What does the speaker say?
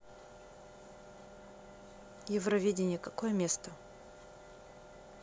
евровидение какое место